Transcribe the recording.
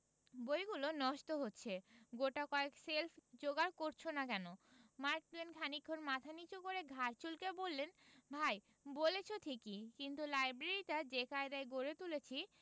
বইগুলো নষ্ট হচ্ছে গোটাকয়েক শেল্ফ যোগাড় করছ না কেন মার্ক টুয়েন খানিকক্ষণ মাথা নিচু করে ঘাড় চুলকে বললেন ভাই বলেছ ঠিকই কিন্তু লাইব্রেরিটা যে কায়দায় গড়ে তুলেছি